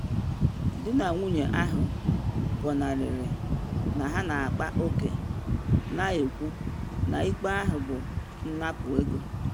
Di na nwunye ahụ gọnarịrị na ha na akpa oke, na ekwu na ikpe ahụ bụ “nnapụ ego.”